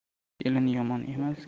kelin yomon emas